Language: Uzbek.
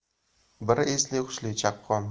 biri esli hushli chaqqon